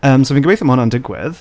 Yym so fi'n gobeitho ma' hynna'n digwydd.